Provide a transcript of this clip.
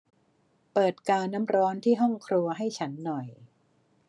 เปิดกาน้ำร้อนที่ห้องครัวให้ฉันหน่อย